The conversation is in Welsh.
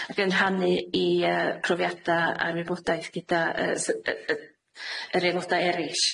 ag yn rhannu 'i yy profiada a'r wybodaeth gyda yy sy- yy yy yr aeloda' erill.